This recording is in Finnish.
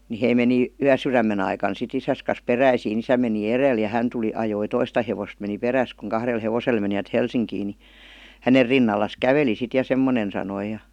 niin he meni yösydämen aikana sitten isänsä kanssa peräisin isä meni edellä ja hän tuli ajoi toista hevosta meni perässä kun kahdella hevosella menivät Helsinkiin niin hänen rinnallaan käveli sitten ja semmoinen sanoi ja